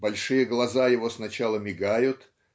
Большие глаза его сначала мигают